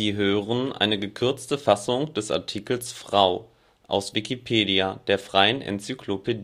hören den Artikel Frau, aus Wikipedia, der freien Enzyklopädie